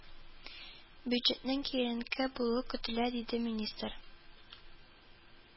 Бюджетның киеренке булуы көтелә, диде министр